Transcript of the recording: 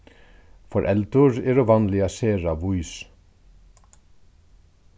foreldur eru vanliga sera vís